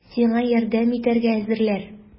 Сиңа ярдәм итәргә әзерләр!